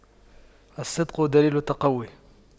الصدق دليل التقوى